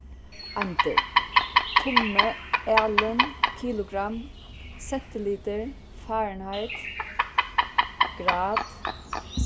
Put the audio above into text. eindir tummi alin kilogramm sentilitur fahrenheit grad